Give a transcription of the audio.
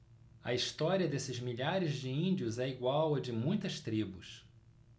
a história desses milhares de índios é igual à de muitas tribos